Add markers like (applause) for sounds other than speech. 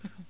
(hesitation) (hesitation)